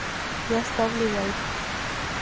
я ставлю лайк